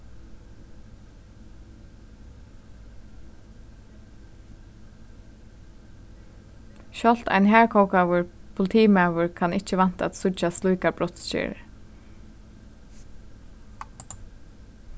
sjálvt ein harðkókaður politimaður kann ikki vænta at síggja slíkar brotsgerðir